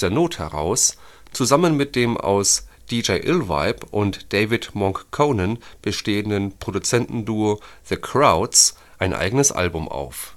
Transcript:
Not heraus “, zusammen mit dem aus DJ Illvibe und David „ Monk “Conen bestehenden Produzentenduo The Krauts ein eigenes Album auf